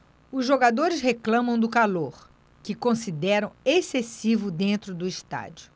os jogadores reclamam do calor que consideram excessivo dentro do estádio